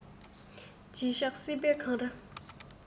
བརྗིད ཆགས སྲིད པའི གངས རི